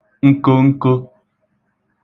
nkonko